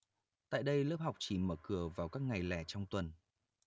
tại đây lớp học chỉ mở cửa vào các ngày lẻ trong tuần